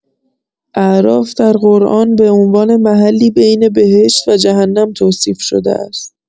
اعراف در قرآن به عنوان محلی بین بهشت و جهنم توصیف شده است.